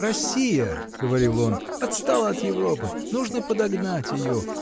"Россия, -- говорил он, -- отстала от Европы; нужно подогнать ее.